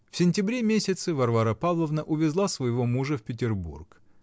В сентябре месяце Варвара Павловна увезла своего мужа в Петербург.